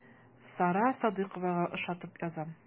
Сара Садыйковага ошатып язам.